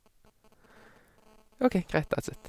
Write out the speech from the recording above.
OK, greit, that's it.